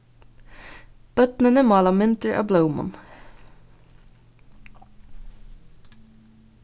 børnini mála myndir av blómum